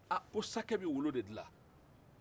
ko sake bɛ wolo de dila